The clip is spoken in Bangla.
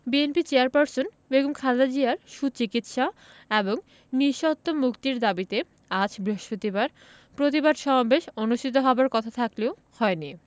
বিএনপি চেয়ারপারসন বেগম খালেদা জিয়ার সুচিকিৎসা এবং নিঃশর্ত মুক্তির দাবিতে আজ বৃহস্পতিবার প্রতিবাদ সমাবেশ অনুষ্ঠিত হবার কথা থাকলেও হয়নি